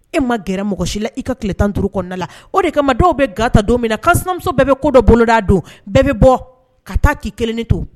E ma gɛrɛ mɔgɔ si la i ka tile tan duuruuru kɔnɔna la o de kama dɔw bɛ gata don min na ka sinamuso bɛɛ bɛ ko dɔ boloda don bɛɛ bɛ bɔ ka taa ki kelen to